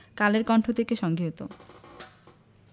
কালের কন্ঠ থেকে সংগৃহীত